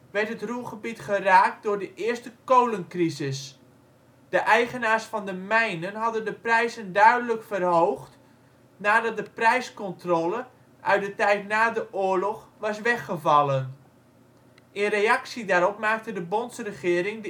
werd het Ruhrgebied geraakt door de eerste kolencrisis. De eigenaars van de mijnen hadden de prijzen duidelijk verhoogd nadat de prijscontrole (uit de tijd ná de oorlog) was weggevallen. In reactie daarop maakte de bondsregering